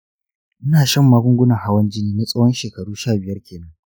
ina shan magungunan hawan jini na tsawon shekaru sha biyar kenan.